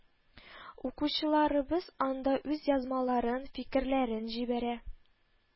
Укучыларыбыз анда үз язмаларын, фикерләрен җибәрә